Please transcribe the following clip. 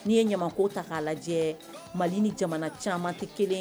N'i ye ɲama ta k'a lajɛ mali ni jamana caman tɛ kelen